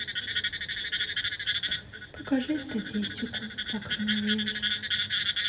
покажи статистику по короновирусу